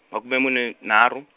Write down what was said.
makume mune nharhu.